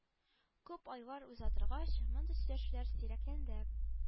Күп айлар уза торгач мондый сөйләшүләр сирәкләнде